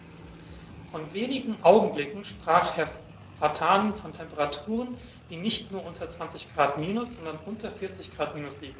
Vor wenigen Augenblicken sprach Herr Vatanen von Temperaturen, die nicht nur unter 20 Grad minus, sondern unter 40 Grad minus liegen.